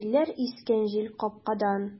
Җилләр искән җилкапкадан!